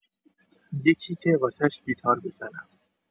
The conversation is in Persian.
یکی که واسش گیتار بزنم